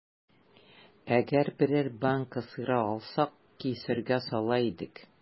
Әгәр берәр банка сыра алсак, кесәгә сала идек.